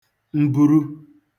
mburu